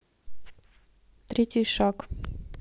третий шаг